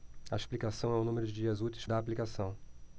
a explicação é o número de dias úteis da aplicação